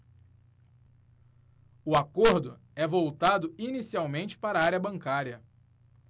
o acordo é voltado inicialmente para a área bancária